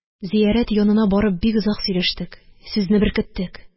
Зиярат янына барып, бик озак сөйләштек, сүзне беркеттек.